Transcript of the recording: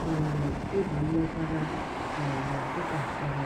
gụnyere egwu mmegwara maọbụ ịga mkpọrọ.